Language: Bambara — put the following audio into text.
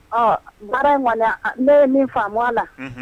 Ɔ baara in ŋ ne ye min faamu na